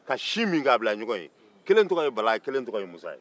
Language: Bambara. ka sin min k'a bila ɲɔgɔn ye kelen tɔgɔ ye bala ye kelen tɔgɔ ye musa ye